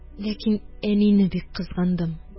Ләкин әнине бик кызгандым